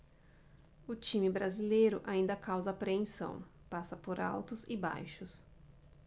o time brasileiro ainda causa apreensão passa por altos e baixos